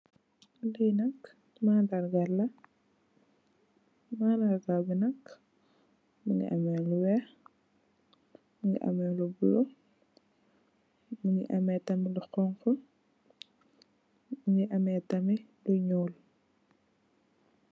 Li nak mandarga la mandarga bi nak mongi ame lu weex mongi ame lu bulo mongi ame tamit lu xonxu mongi ame tamit lu nuul.